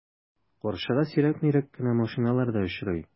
Каршыга сирәк-мирәк кенә машиналар да очрый.